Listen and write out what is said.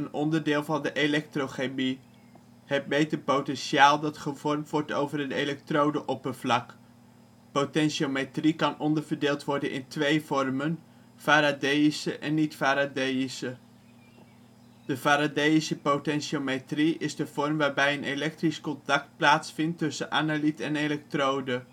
onderdeel van de elektrochemie. Het meet een potentiaal dat gevormd wordt over een elektrodeoppervlak. Potentiometrie kan onderverdeeld worden in 2 vormen: Faradeïsche en niet-Faradeïsche. De Faradeïsche potentiometrie is de vorm waarbij een elektrisch contact plaatsvindt tussen analiet en elektrode